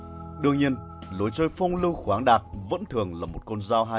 đương nhiên lối chơi phong lưu khoáng đạt vẫn thường là con dao lưỡi